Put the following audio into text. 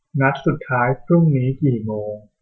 นัดสุดท้ายพรุ่งนี้กี่โมง